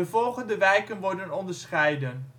volgende wijken worden onderscheiden